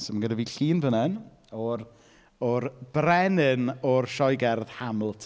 So ma' gyda fi llun fan hyn o'r o'r brenin o'r sioe gerdd Hamilton.